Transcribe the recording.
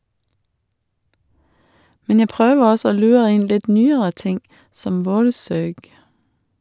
Men jeg prøver også å lure inn litt nyere ting, som "Vårsøg".